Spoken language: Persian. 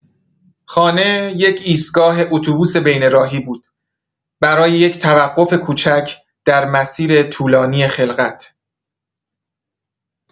خانه یک ایستگاه اتوبوس بین‌راهی بود برای یک توقف کوچک در مسیر طولانی خلقت.